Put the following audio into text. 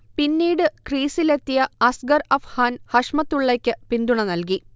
പിന്നീട് ക്രീസിലെത്തിയ അസ്ഗർ അഫ്ഗാൻ, ഹഷ്മതുള്ളയക്ക് പിന്തുണ നൽകി